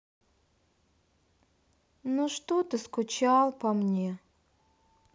ну что ты скучал по мне